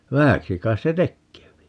vähäksi kai se tekee